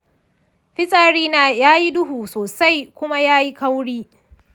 fitsarina ya yi duhu sosai kuma ya yi kauri.